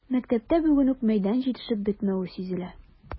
Мәктәптә бүген үк мәйдан җитешеп бетмәве сизелә.